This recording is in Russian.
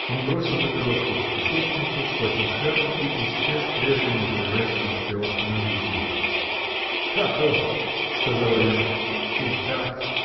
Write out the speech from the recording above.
Он бросил папироску в песочницу, схватил шляпу и исчез прежде, нежели Райский успел остановить его. — Каков! — сказал Аянов. — Чудак!